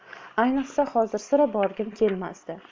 ayniqsa hozir sira borgim kelmasdi